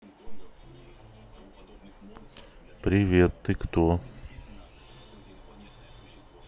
привет ты кто